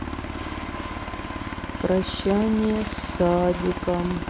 прощание с садиком